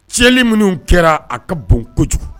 Tiɲɛɲɛnli minnu kɛra a ka bon kojugu